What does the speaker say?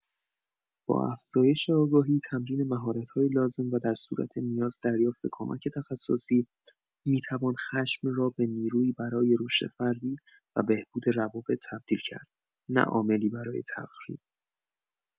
با افزایش آگاهی، تمرین مهارت‌های لازم و در صورت نیاز دریافت کمک تخصصی، می‌توان خشم را به نیرویی برای رشد فردی و بهبود روابط تبدیل کرد، نه عاملی برای تخریب.